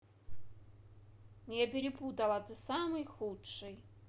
я перепутала ты самый худший